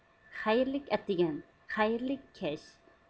خەيرلىك ئەتىگەن خەيرلىك كەچ